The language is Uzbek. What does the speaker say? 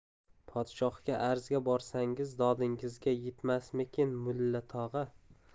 podshohga arzga borsangiz dodingizga yetmasmikin mulla tog'a